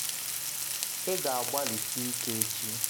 Ị ga-agbalị si ike echi.